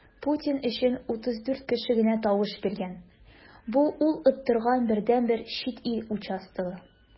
Путин өчен 34 кеше генә тавыш биргән - бу ул оттырган бердәнбер чит ил участогы.